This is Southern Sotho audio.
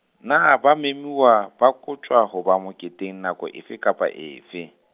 na ba memuwa, ba koptjwa ho ba moketeng, nako efe, kapa efe ?